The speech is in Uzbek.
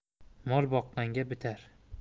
mol boqqanga bitar